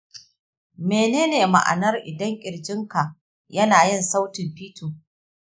menene ma'anar idan ƙirjinka yana yin sautin fito